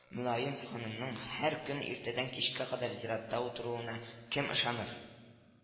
Мөлаем ханымның һәр көн иртәдән кичкә кадәр зиратта утыруына кем ышаныр